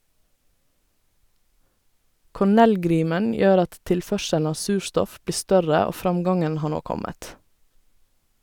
Cornell-grimen gjør at tilførselen av surstoff blir større og framgangen har nå kommet.